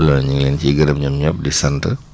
kon loolu ñu ngi leen ciy gërëm ñoom ñëpp di sant